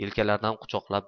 yelkalaridan quchoqlab